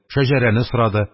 Шәҗәрәне сорады,